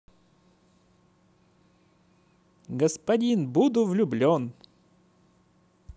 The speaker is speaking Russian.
господин буду влюблен